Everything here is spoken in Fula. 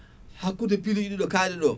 hakkude piluji ɗi ɗo kaaɗiɗo